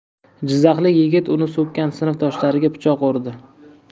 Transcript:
jizzaxlik yigit uni so'kkan sinfdoshlariga pichoq urdi